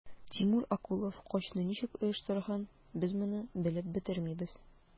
Тимур Акулов качуны ничек оештырган, без моны белеп бетермибез.